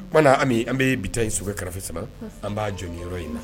Ko an bɛ bi in sokɛ kɛrɛfɛ sama an b'a jɔn yɔrɔ in